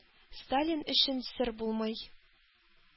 Сталин өчен сер булмый,